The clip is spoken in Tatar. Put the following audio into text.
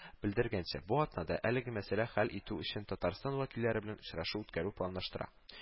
Белдергәнчә, бу атнада, әлеге мәсьәләне хәл итү өчен, татарстан вәкилләре белән очрашу үткәрү планлаштыра